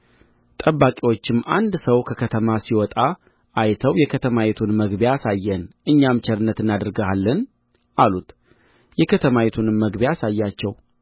ጠባቂዎቹም አንድ ሰው ከከተማ ሲወጣ አይተው የከተማይቱን መግቢያ አሳየን እኛም ቸርነት እናደርግልሃለን አሉት የከተማይቱንም መግቢያ አሳያቸው